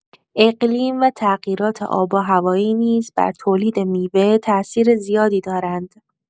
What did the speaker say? اقلیم و تغییرات آب‌وهوایی نیز بر تولید میوه تأثیر زیادی دارند.